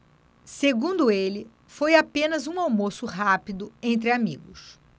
segundo ele foi apenas um almoço rápido entre amigos